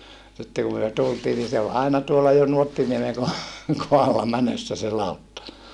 sitten kun me tultiin niin se oli aina tuolla Nuottiniemen - kohdalla menossa se lautta